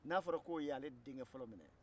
n'a fɔra ko y'ale denkɛ fɔlɔ minɛ